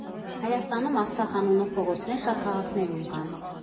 Հայաստանում «Արցախ» անունով փողոցներ շատ քաղաքներում կան։